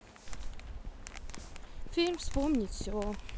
фильм вспомнить все